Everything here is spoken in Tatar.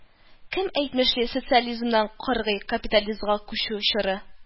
Кем әйтмешли, социализмнан кыргый капитализмга күчү чоры